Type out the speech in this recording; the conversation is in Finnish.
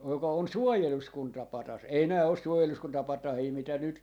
joka on suojeluskuntapatsas ei nämä ole suojeluskuntapatsaita mitä nyt